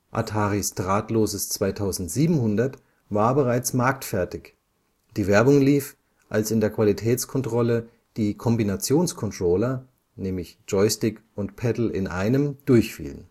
Ataris drahtloses 2700 war bereits marktfertig, die Werbung lief, als in der Qualitätskontrolle die Kombinations-Controller (Joystick und Paddle in einem) durchfielen